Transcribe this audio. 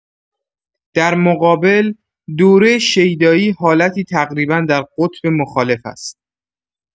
در مقابل، دوره شیدایی حالتی تقریبا در قطب مخالف است.